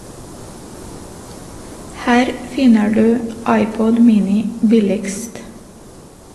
Her finner du iPod Mini billigst.